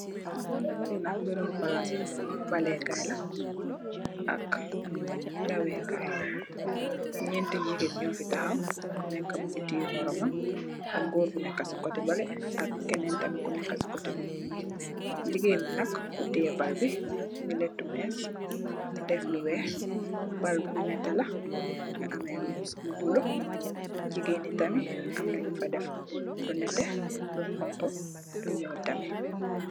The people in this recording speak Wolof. Fee nak meremu plase balekaye la ak dawekaye nyete jegain nufe tahaw ku neka muge teye morumam am goor bu neka koteh bale ak kenen ku neka se koteh bub jegain be nak ku teye balbe muge letou mess nu def lu weex bal be neteh la muge ameh lu bulo jegain ye tamin amna nufa def lu neteh lu xonxo lu nuul tamin.